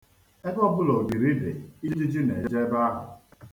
Ebe ọbụla ogiri dị, ijiji na-eje ebe ahụ.